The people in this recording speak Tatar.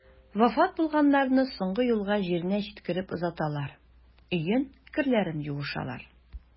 Вафат булганнарны соңгы юлга җиренә җиткереп озаталар, өен, керләрен юышалар.